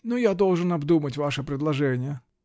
Но я должен обдумать ваше предложение.